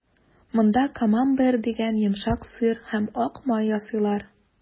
Монда «Камамбер» дигән йомшак сыр һәм ак май ясыйлар.